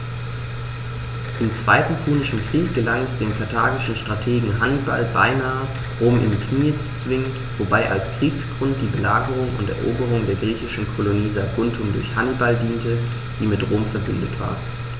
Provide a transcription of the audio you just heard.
Im Zweiten Punischen Krieg gelang es dem karthagischen Strategen Hannibal beinahe, Rom in die Knie zu zwingen, wobei als Kriegsgrund die Belagerung und Eroberung der griechischen Kolonie Saguntum durch Hannibal diente, die mit Rom „verbündet“ war.